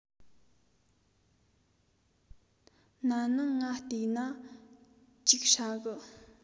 ན ནིང ང བལྟས ན ཅིག ཧྲ གི